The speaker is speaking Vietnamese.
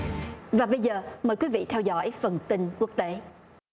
và bây giờ mời quý vị theo dõi phần tin quốc tế